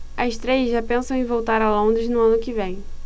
as três já pensam em voltar a londres no ano que vem